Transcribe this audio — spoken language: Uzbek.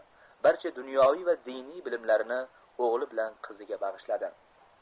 barcha dunyoviy va diniy bilimlarini o'g'li bilan qiziga bag'ishladi